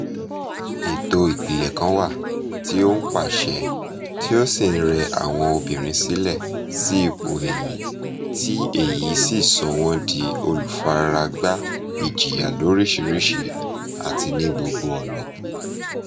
Ètò ìpìlẹ̀ kan wà tí ó ń pàṣẹ tí ó sì ń rẹ àwọn obìnrin sílẹ̀ sí ipò ẹ̀yìn tí èyí sì sọ wọ́n di olùfaragbá ìjìyà lóríṣiríṣi àti ní gbogbo ọ̀nà.